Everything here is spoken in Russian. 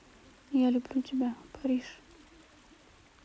я люблю тебя париж